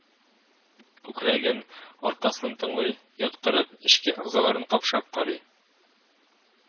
Күкрәген, аркасын тыңлый, яткырып эчке әгъзаларын капшап карый